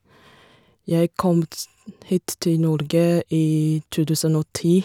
Jeg kom ts hit til Norge i to tusen og ti.